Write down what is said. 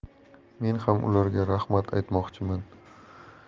men ham ularga rahmat aytmoqchiman